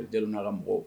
U jeliw nana mɔgɔw